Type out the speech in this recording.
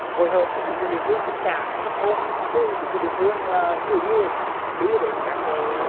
phối hợp với chính quyền địa phương cấp xã và cấp thôn để chính quyền địa phương là cử người đưa đến các